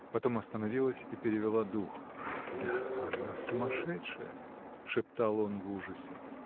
Потом остановилась и перевела дух. — Да, она сумасшедшая! — шептал он в ужасе.